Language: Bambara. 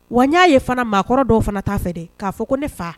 Wa n y'a ye fana maakɔrɔ dɔw fana t'a fɛ de k'a fɔ ko ne fa